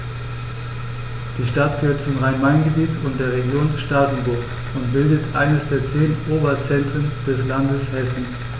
Die Stadt gehört zum Rhein-Main-Gebiet und der Region Starkenburg und bildet eines der zehn Oberzentren des Landes Hessen.